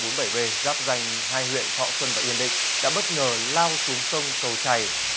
bốn bẩy bê giáp ranh hai huyện thọ xuân và yên định đã bất ngờ lao xuống sông cầu chày